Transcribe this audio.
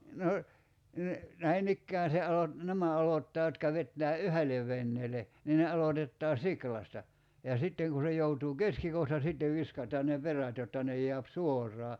no ne näin ikään se - nämä aloittaa jotka vetää yhdelle veneelle niin ne aloitetaan siulasta ja sitten kun se joutuu keskikohta sitten viskataan ne perät jotta ne jää suoraan